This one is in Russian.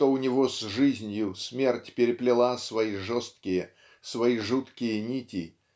что у него с жизнью смерть переплела свои жесткие свои жуткие нити